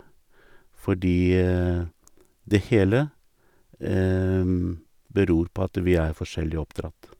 Fordi det hele beror på at vi er forskjellig oppdratt.